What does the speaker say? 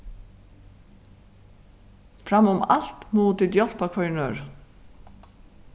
fram um alt mugu tit hjálpa hvørjum øðrum